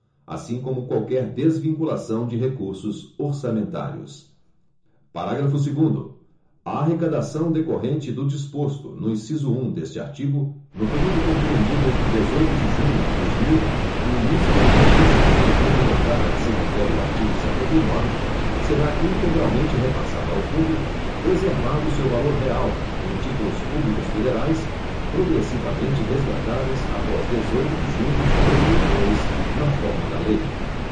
assim como qualquer desvinculação de recursos orçamentários parágrafo segundo a arrecadação decorrente do disposto no inciso um deste artigo no período compreendido entre dezoito de junho de dois mil e o início da vigência da lei complementar a que se refere o artigo setenta e nove será integralmente repassada ao fundo preservado o seu valor real em títulos públicos federais progressivamente resgatáveis após dezoito de junho de dois mil e dois na forma da lei